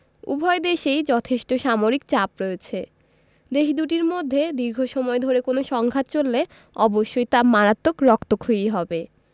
উভয় দেশেই যথেষ্ট সামরিক চাপ রয়েছে দেশ দুটির মধ্যে দীর্ঘ সময় ধরে কোনো সংঘাত চললে অবশ্যই তা মারাত্মক রক্তক্ষয়ী হবে